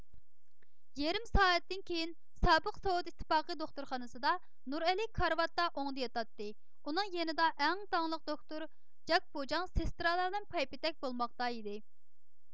يېرىم سائەتتىن كېيىن سابىق سوۋېت ئىتتىپاقى دوختۇرخانىسىدا نۇرئەلى كارىۋاتتا ئوڭدا ياتاتتى ئۇنىڭ يېنىدا ئەڭ داڭلىق دوختۇر جاكبۇجاڭ سېستىرالار بىلەن پايپېتەك بولماقتا ئىدى